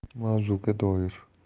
mavzuga doir